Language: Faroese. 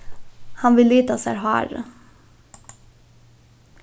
hann vil lita sær hárið